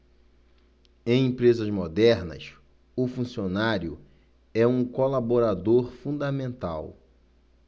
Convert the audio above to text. em empresas modernas o funcionário é um colaborador fundamental